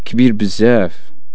كبير بزاف